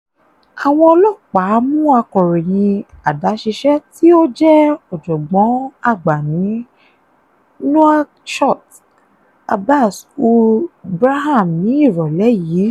Àwọn ọlọ́pàá mú akọ̀ròyìn adáṣiṣẹ́ tí ó jẹ́ Ọ̀jọ̀gbọ́n-àgbà ní Nouakchott, Abbass Ould Braham ní ìrọ̀lẹ́ yìí.